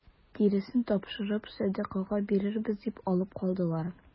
Тиресен тапшырып сәдакага бирәбез дип алып калдылар.